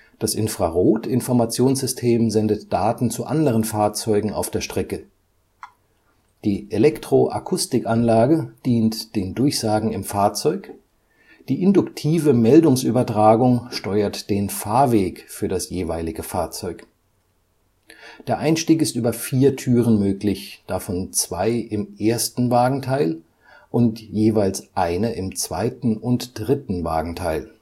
Das Infrarot-Informationssystem sendet Daten zu anderen Fahrzeugen auf der Strecke. Die Elektroakustikanlage dient den Durchsagen im Fahrzeug, die induktive Meldungsübertragung steuert den Fahrweg für das jeweilige Fahrzeug. Der Einstieg ist über vier Türen möglich, davon zwei im ersten Wagenteil und jeweils eine im zweiten und dritten Wagenteil